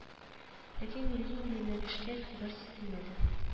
Ләкин милли юнәлешкә игътибар сизелмәде